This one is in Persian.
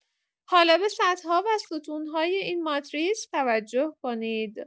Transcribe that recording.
حالا به سطرها و ستون‌های این ماتریس توجه کنید.